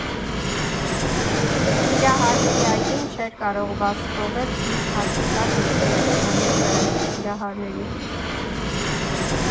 Սիրահարների այգին չէր կարող բաց թողել իր հարկի տակ ընդունելու նաև կրակի սիրահարներին.